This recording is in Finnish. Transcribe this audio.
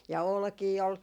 ja olkia oli